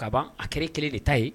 Ka ban a kɛra kelen de ta ye